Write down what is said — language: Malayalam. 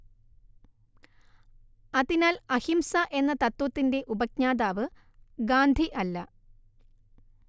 അതിനാൽ അഹിംസ എന്ന തത്ത്വത്തിന്റെ ഉപജ്ഞാതാവ് ഗാന്ധി അല്ല